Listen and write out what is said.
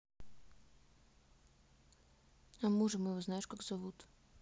а мужа моего знаешь как зовут